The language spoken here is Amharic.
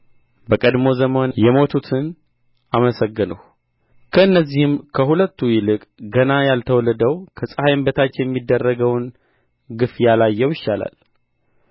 በቀድሞ ዘመን የሞቱትን አመሰገንሁ ከእነዚህም ከሁለቱ ይልቅ ገና ያልተወለደው ከፀሐይም በታች የሚደረገውን ግፍ ያላየው ይሻላል